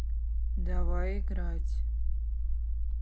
давай играть